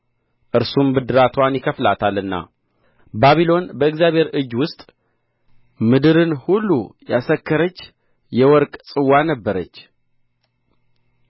እርሱም ብድራትዋን ይከፍላታልና ባቢሎን በእግዚአብሔር እጅ ውስጥ ምድርን ሁሉ ያሰከረች የወርቅ ጽዋ ነበረች